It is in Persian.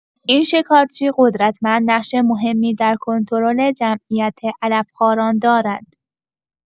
این شکارچی قدرتمند نقش مهمی در کنترل جمعیت علف‌خواران دارد.